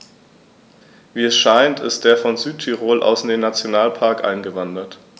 Wie es scheint, ist er von Südtirol aus in den Nationalpark eingewandert.